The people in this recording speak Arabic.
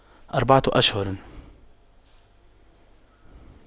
أربعة أشهر